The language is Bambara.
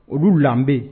Olu lanbe